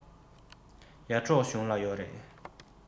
ཡར འབྲོག གཞུང ལ ཡོག རེད